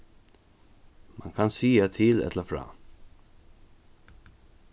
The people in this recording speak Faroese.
mann kann siga til ella frá